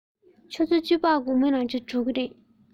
ཆུ ཚོད བཅུ པར དགོང མོའི རང སྦྱོང གྲོལ གྱི རེད